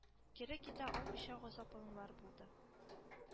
Кире китә алмыйча газапланулар булды.